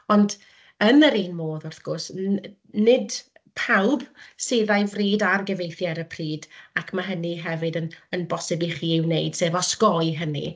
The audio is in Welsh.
Ond yn yr un modd wrth gwrs, n- nid pawb sydd â'u fryd ar gyfieithu ar y pryd ac ma' hynny hefyd yn yn bosib i chi ei wneud, sef osgoi hynny.